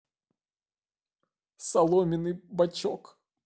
соломенный бочок